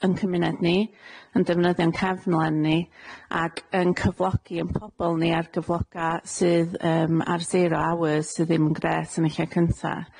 'yn cymuned ni, yn defnyddio'n cefnlen ni, ag yn cyflogi 'yn pobol ni ar gyfloga' sydd yym ar zero hours sydd ddim yn grêt yn y lle cynta,